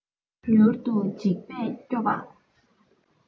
མྱུར དུ འཇིག པས སྐྱོ བ